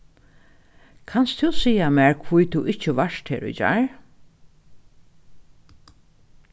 kanst tú siga mær hví tú ikki vart her í gjár